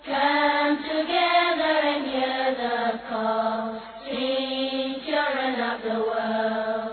Santigɛinɛ laban tile laban laban